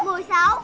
mười sáu